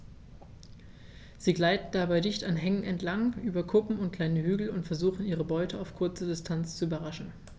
Sie gleiten dabei dicht an Hängen entlang, über Kuppen und kleine Hügel und versuchen ihre Beute auf kurze Distanz zu überraschen.